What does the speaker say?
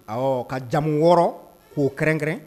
Ɔ ka jamu wɔɔrɔ k'o kɛrɛnkɛrɛn